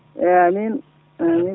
amine amine